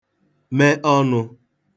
me ọnụ̄